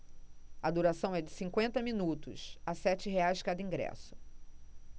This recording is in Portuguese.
a duração é de cinquenta minutos a sete reais cada ingresso